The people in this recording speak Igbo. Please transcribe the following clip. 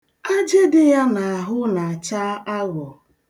Ajị dị ya n'ahụ na-acha aghọ.